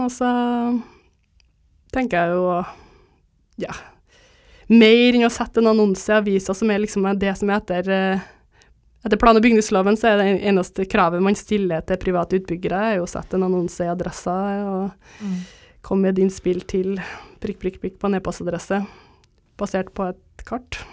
og så tenker jeg jo å ja mer enn å sette en annonse i avisa som er liksom det som er etter etter plan- og bygningsloven så er det eneste kravet man stiller til private utbyggere er jo å sette en annonse i Adressa og komme med et innspill til prikk prikk prikk på en epostadresse basert på et kart.